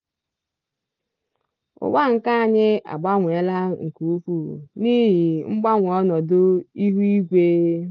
Ụwa nke anyị agbanweela nke ukwuu n'ihi mgbanwe ọnọdụ ihu igwe.”